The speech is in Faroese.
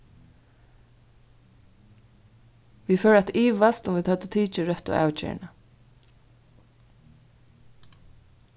vit fóru at ivast um vit høvdu tikið røttu avgerðina